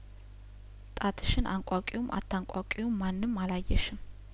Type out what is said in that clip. ጣትሽን አንቋቂውም አታንቋቂውም ማንም አላየሽም